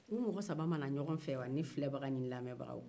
u mɔgɔ saba ma na ɲɔgɔn fɛ wa ne filɛbaga ni ne lamɛnbagaw